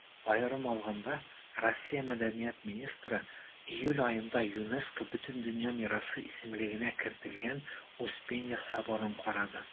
Аерым алганда, Россия Мәдәният министры июль аенда ЮНЕСКО Бөтендөнья мирасы исемлегенә кертелгән Успенья соборын карады.